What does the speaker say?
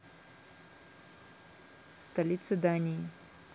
столица дании